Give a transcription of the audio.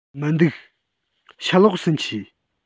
མི འདུག ཕྱི ལོགས སུ མཆིས